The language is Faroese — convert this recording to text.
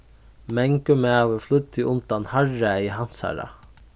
mangur maður flýddi undan harðræði hansara